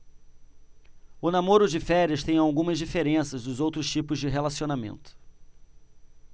o namoro de férias tem algumas diferenças dos outros tipos de relacionamento